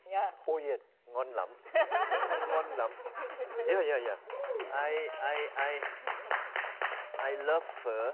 ô dia ngon lắm ngon lắm día dia dìa ai ai ai ai lớp phở